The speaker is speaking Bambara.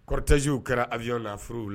Kɔrɔtɛjw kɛra ay na furuw la